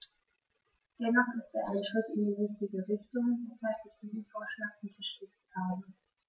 Dennoch ist er ein Schritt in die richtige Richtung, weshalb ich diesen Vorschlag unterstützt habe.